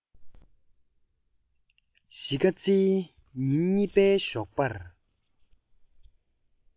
གཞིས ཀ རྩེའི ཉིན གཉིས པའི ཞོགས པར